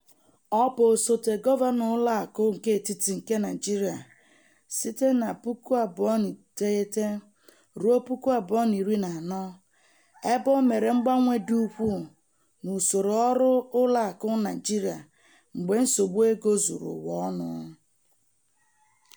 Ọ bụ osote gọvanọ Ụlọakụ Ketiti nke Naịjirịa site na 2009 ruo 2014, ebe "o mere mgbanwe dị ukwuu n'usoro ọrụ ụlọ akụ Naijiria mgbe nsogbu ego zuru ụwa ọnụ."